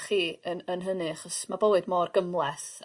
chi yn yn hynny achos ma' bywyd mor gymhleth...